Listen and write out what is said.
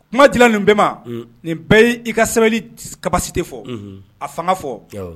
Kuma dilan nin bɛma nin bɛɛ y' i ka sɛbɛn kabasite fɔ a fanga fɔ